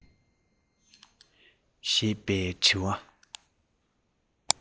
ཞེས པའི འདྲི བ